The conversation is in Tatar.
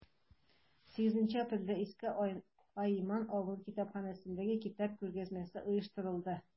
8 апрельдә иске айман авыл китапханәсендә китап күргәзмәсе оештырылды.